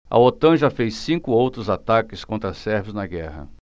a otan já fez cinco outros ataques contra sérvios na guerra